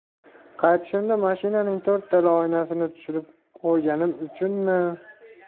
qaytishda mashinaning to'rttala oynasini tushirib qo'yganim uchunmi